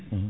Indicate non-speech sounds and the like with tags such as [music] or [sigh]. [hesitation] [hesitation]